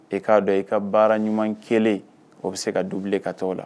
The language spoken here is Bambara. E k'a dɔn i ka baara ɲuman kelen o bɛ se ka du bilen ka tɔgɔ la